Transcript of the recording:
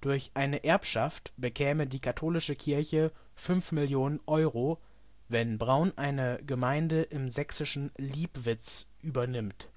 Durch eine Erbschaft bekäme die katholische Kirche fünf Millionen Euro, wenn Braun eine Gemeinde im sächsischen Liebwitz übernimmt.